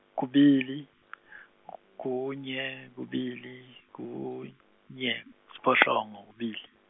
kubili k-, kunye, kubili, kunye, siphohlongo, kubili.